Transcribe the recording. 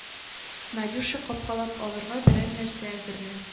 Надюша капкалап алырга берәр нәрсә әзерлә